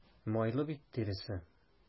Майлы бит тиресе.